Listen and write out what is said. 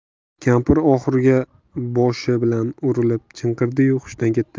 kampir oxurga boshi bilan urilib chinqirdi yu hushidan ketdi